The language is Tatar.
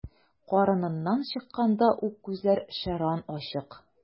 Карыныннан чыкканда ук күзләр шәрран ачык.